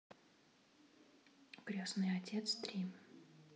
крестный отец три